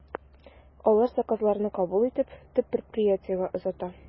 Алар заказларны кабул итеп, төп предприятиегә озата.